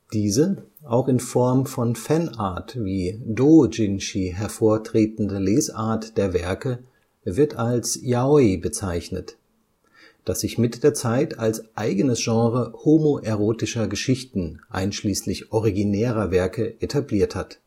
Diese, auch in Form von Fanart wie Dōjinshi hervortretende Lesart der Werke wird als Yaoi bezeichnet, das sich mit der Zeit als eigenes Genre homoerotischer Geschichten einschließlich originärer Werke etabliert hat